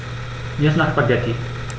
Mir ist nach Spaghetti.